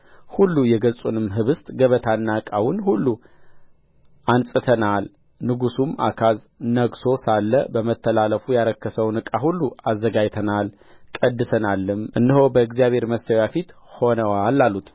ሁሉ የገጹንም ኅብስት ገበታና ዕቃውን ሁሉ አንጽተናል ንጉሡም አካዝ ነግሦ ሳለ በመተላለፍ ያረከሰውን ዕቃ ሁሉ አዘጋጅተናል ቀድሰናልም እነሆም በእግዚአብሔር መሠዊያ ፊት ሆነዋል አሉት